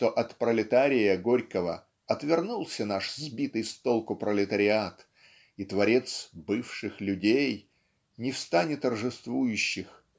что от пролетария Горького отвернулся наш сбитый с толку пролетариат и творец "Бывших людей" не в стане торжествующих